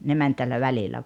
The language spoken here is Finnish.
ne meni tällä välillä